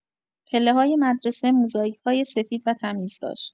پله‌های مدرسه موزاییک‌های سفید و تمیز داشت.